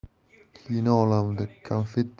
kino olamida 'konfet'